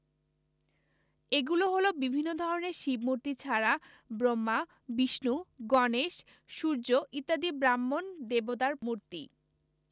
এগুলি হলো বিভিন্ন ধরনের শিব মূর্তি ছাড়া ব্রহ্মা বিষ্ণু গণেশ সূর্য ইত্যাদি ব্রাহ্মণ দেবতার মূর্তি